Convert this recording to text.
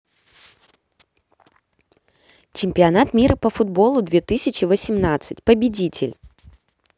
чемпионат мира по футболу две тысячи восемнадцать победитель